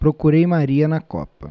procurei maria na copa